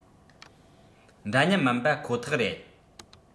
འདྲ མཉམ མིན པ ཁོ ཐག རེད